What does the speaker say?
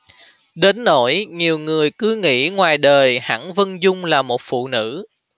đến nỗi nhiều người cứ nghĩ ngoài đời hẳn vân dung là một phụ nữ